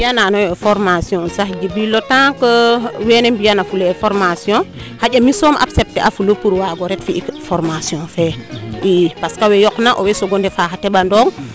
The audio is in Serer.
mbiya naan oyo formation sax Djiby le tant que weene mbiya na fulel formation xanja mi soom accepter a fulu pour waago ret fi'ik formation fee i parce que we yoq na awey soogo ndefa xa teɓanong